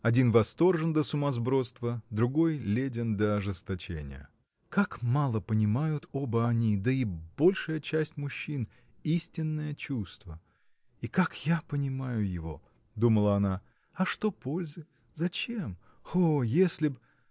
Один восторжен до сумасбродства, другой – ледян до ожесточения. Как мало понимают оба они да и большая часть мужчин истинное чувство! и как я понимаю его! – думала она, – а что пользы? зачем? О, если б.